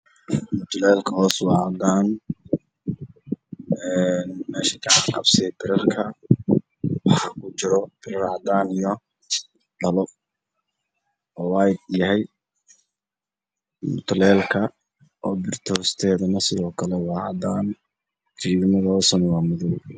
Mutuleelka hoose waa cadaan waxa kujiro birr cadaan